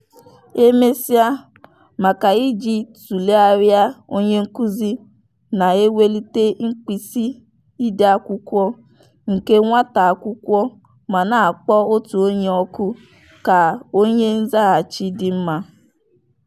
E mesịa, maka iji tụlegharịa, onye nkụzi na-ewelite mkpịsị ide akwụkwọ nke nwata akwụkwọ ma na-akpọ otu onye òkù ka onye nzaghachi dị mma.